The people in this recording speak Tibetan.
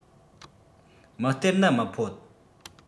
མི སྟེར ནི མི ཕོད